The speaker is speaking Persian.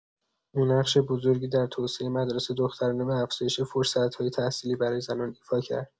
او نقش بزرگی در توسعه مدارس دخترانه و افزایش فرصت‌های تحصیلی برای زنان ایفا کرد.